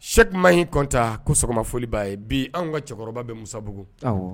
Sɛku Mahita ko sɔgɔma foli b'a ye. Bi anw ka cɛkɔrɔba bɛ musabugu; Awɔ